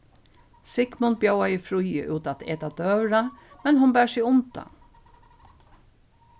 sigmund bjóðaði fríðu út at eta døgurða men hon bar seg undan